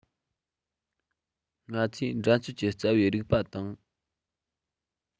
ང ཚོས འགྲན རྩོད ཀྱི རྩ བའི རིགས པ དང